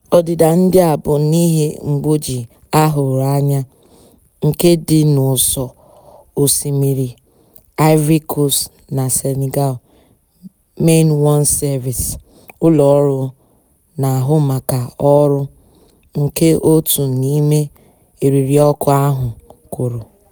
Ọdịda ndị a bụ n'ihi mgbuji a hụrụ anya nke dị n'ụsọ osimiri Ivory Coast na Senegal, Main One Service, ụlọọrụ na-ahụ maka ọrụ nke otu n'ime eririọkụ ahụ kwuru.